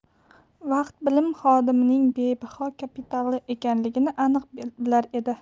vaqt bilim xodimining bebaho kapitali ekanligini aniq bilar edi